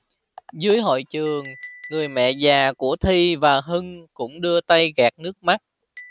dưới hội trường người mẹ già của thi và hưng cũng đưa tay gạt nước mắt